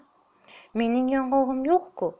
mening yong'og'im yo'q ku